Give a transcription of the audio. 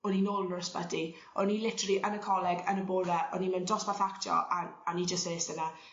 o'n i nôl yn yr ysbyty o'n i literaly yn y coleg yn y bore o'n i mewn dosbarth actio a a o'n i jyst eiste 'na